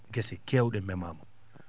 gese keew?e memaama